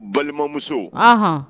Balimamuso